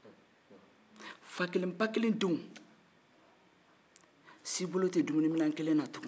fa kelen ba kelen denw bolo te don minɛn kelen kɔnɔ tugun